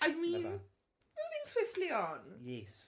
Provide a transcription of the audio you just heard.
I mean... Love her. ...moving swiftly on... Yes.